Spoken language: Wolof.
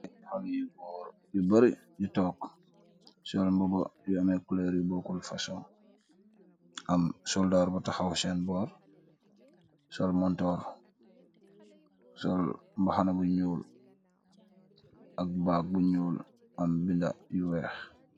Amm goor yu bari yu toog sool mbuba yu ameh colur yu bokul fosoon aam soldar bu taxaw senn burr sol montorr sol mbaxa na bu nuul ak baag bu nuul aam benda yu weex .